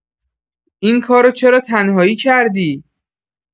این کارو چرا تنهایی کردی؟